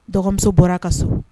Dɔgɔmuso bɔr'a ka so